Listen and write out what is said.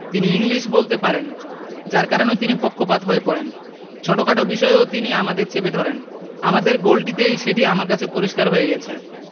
তিনি ইংলিশ বলতে পারেন যার কারণেও তিনি পক্ষপাত হয়ে পড়েন ছোটখাট বিষয়েও তিনি আমাদের চেপে ধরেন আমাদের গোলটিতেই সেটি আমার কাছে পরিস্কার হয়ে গেছে